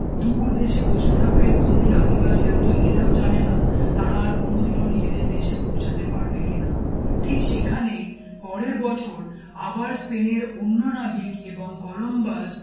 দূর দেশে বসে থাকা এ বন্দী আদিবাসীরা তো এটাও জানে না তারা আর কোনদিনও নিজের দেশে পৌঁছাতে পারবে কিনা ঠিক সেখানেই পরের বছর আবার স্পেনের অন্য নাবিক এবং কলম্বাস